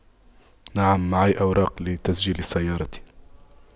نعم معي أوراق لتسجيل السيارة